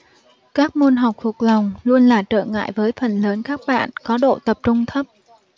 các môn học thuộc lòng luôn là trở ngại với phần lớn các bạn có độ tập trung thấp